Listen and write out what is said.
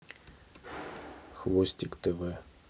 хвостик тв